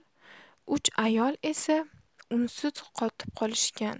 uch ayol esa unsiz qotib qolishgan